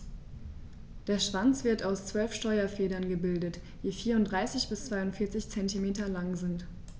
Der Schwanz wird aus 12 Steuerfedern gebildet, die 34 bis 42 cm lang sind.